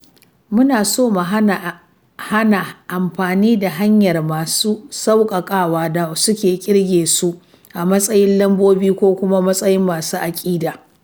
Muna so mu hana amfani da hanyar masu sauƙaƙawa da suke ƙirga su a matsayin lambobi ko kuma matsayin masu aƙida.